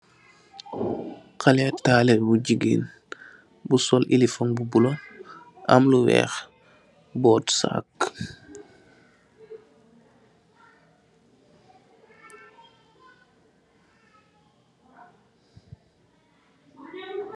Xalee taalube bu jigeen. Mugi sol ilifom bu bulo am lu weex, boot saak.